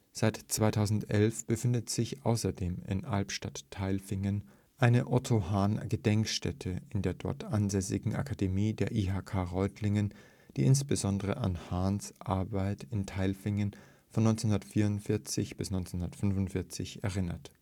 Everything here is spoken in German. Seit 2011 befindet sich außerdem in Albstadt-Tailfingen eine Otto-Hahn-Gedenkstätte in der dort ansässigen Akademie der IHK Reutlingen, die insbesondere an Hahns Arbeit in Tailfingen von 1944 bis 1945 erinnert